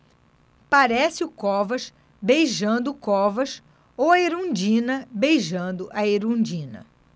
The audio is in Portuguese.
parece o covas beijando o covas ou a erundina beijando a erundina